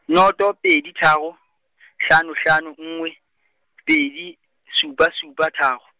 noto pedi tharo , hlano hlano nngwe, pedi supa supa tharo.